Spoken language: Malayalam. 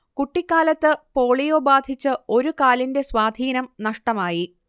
കുട്ടിക്കാലത്ത് പോളിയോ ബാധിച്ച് ഒരു കാലിന്റെ സ്വാധീനം നഷ്ടമായി